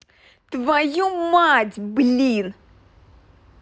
твою мать блин